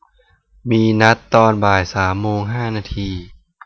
มีนัดตอนบ่ายสามโมงห้านาที